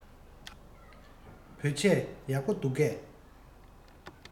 བོད ཆས ཡག པོ འདུག གས